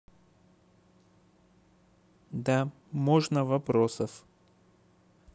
да можно вопросов